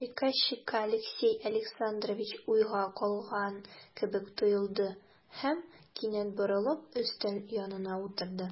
Приказчикка Алексей Александрович уйга калган кебек тоелды һәм, кинәт борылып, өстәл янына утырды.